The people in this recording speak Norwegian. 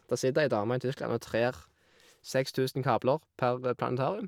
Der sitter ei dame i Tyskland og trer seks tusen kabler per planetarium.